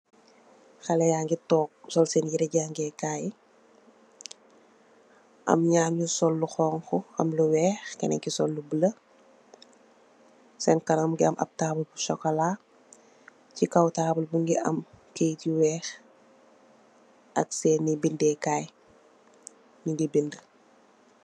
Xaleh yage tonke sol sen yere jagekay am nyarr nu sol lu xonxo am lu weex kenen ke sol lu bulo sen kanam muge am taabul bu sukola che kaw taabul be muge am keyete yu weex ak sene bede kay nuge bede.